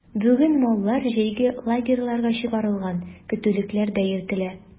Бүген маллар җәйге лагерьларга чыгарылган, көтүлекләрдә йөртелә.